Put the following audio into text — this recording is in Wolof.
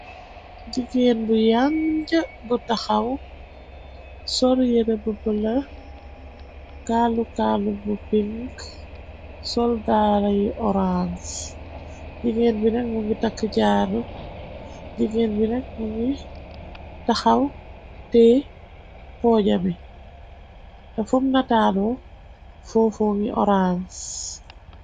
jigeen bu yàn nj bu taxaw soryire bu bëla kallukallu bu pink soldaala yi orang jigeen bi nek mu ngi takk jaar jigéen bi nek mu ngi taxaw tee poojami te fum nataalo foofo ngi orans